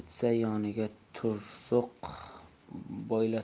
bitsa yoniga tursuq boylatmas